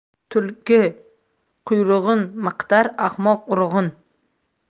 tulki quyrug'in maqtar ahmoq urug'in